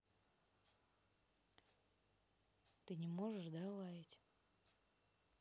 ты не можешь да лаять